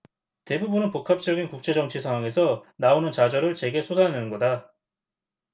대부분은 복합적인 국제 정치 상황에서 나오는 좌절을 제게 쏟아내는 거다